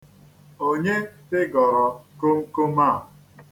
Onye pịgọrọ komkom a?